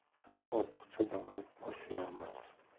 ortiqcha davlat bosh yormas